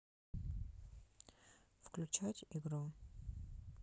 включать игру